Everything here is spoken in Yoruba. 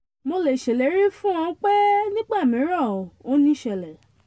Mo le ṣèlérí fún ọ pé nígbàmíràn ò ní ṣẹlẹ̀.